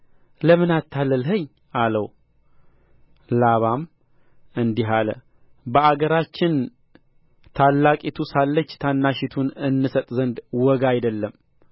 ለምን አታለልኸኝ አለው ላባም እንዲህ አለ በአገራችን ታላቂቱ ሳለች ታናሺቱን እንሰጥ ዘንድ ወግ አይደለም